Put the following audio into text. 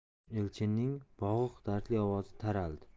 elchinning bo'g'iq dardli ovozi taraldi